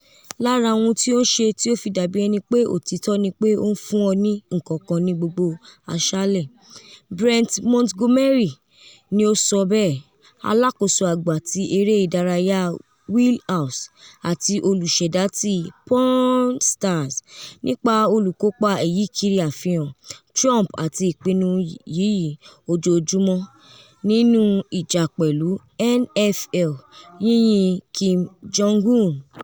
”Lara ohun ti o n ṣe ti o fi dabi ẹni pe otitọ ni pe o n fun ọ ni nnkankan ni gbogbo aṣalẹ,” Brent Montgomery ni o sọ bẹẹ, alakoso agba ti Ere Idaraya Wheelhouse ati oluṣẹdati “Pawn Stars,”nipa olukopa iyikiri afihan Trump ati ipinnu yiyi ojoojumọ (nini ija pẹlu N.F.L.,yinyin Kim Jong-un).